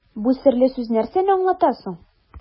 Бу серле сүз нәрсәне аңлата соң?